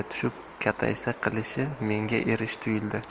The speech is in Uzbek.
tushib kataysa qilishi menga erish tuyuldi